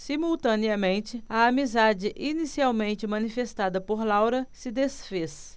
simultaneamente a amizade inicialmente manifestada por laura se disfez